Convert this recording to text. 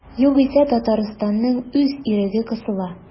Югыйсә Татарстанның үз иреге кысыла.